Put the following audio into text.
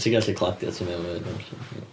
Ti'n gallu cladio tu mewn hefyd acshyli.